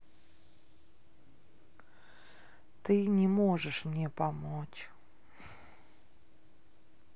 ты не можешь мне помочь